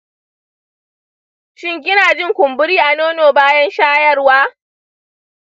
shin kina jin kumburi a nono bayan shayarwa?